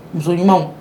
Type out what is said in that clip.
Muso ɲumar